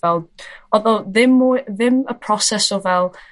fel odd o ddim mwy ddim y proses o fel